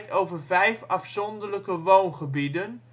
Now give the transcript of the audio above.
over vijf afzonderlijke woongebieden